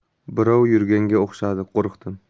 birov yurganga o'xshadi qo'rqdim